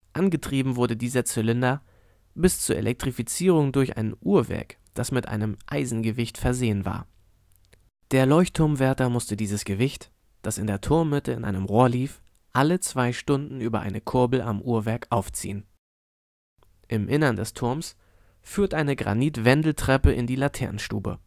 Angetrieben wurde dieser Zylinder bis zur Elektrifizierung durch ein Uhrwerk das mit einem Eisengewicht versehen war. Der Leuchtturmwärter musste dieses Gewicht, das in der Turmmitte in einem Rohr lief, alle zwei Stunden über eine Kurbel am Uhrwerk aufziehen. Im Innern des Turms führt eine Granit-Wendeltreppe in die Laternenstube